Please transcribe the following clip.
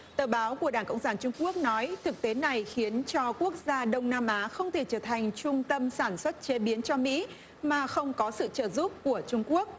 tờ báo của đảng cộng sản trung quốc nói thực tế này khiến cho quốc gia đông nam á không thể trở thành trung tâm sản xuất chế biến cho mỹ mà không có sự trợ giúp của trung quốc